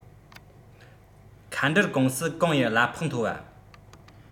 མཁའ འགྲུལ ཀུང སི གང ཡི གླ ཕོགས མཐོ བ